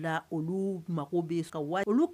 O laa oluu mago bɛ ka wari